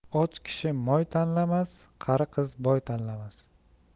och kishi moy tanlamas qari qiz boy tanlamas